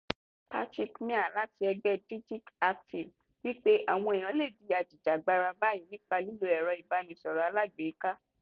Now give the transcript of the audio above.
Patrick Meier, láti ẹgbẹ́ DigiActive, wí pé àwọn èèyàn lè di ajìjàgbara báyìí nípa lílo ẹ̀rọ ìbánisọ̀rọ̀ alágbèéká.